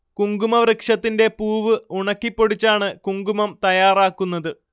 കുങ്കുമവൃക്ഷത്തിന്റെ പൂവ് ഉണക്കിപ്പൊടിച്ചാണ് കുങ്കുമം തയ്യാറാക്കുന്നത്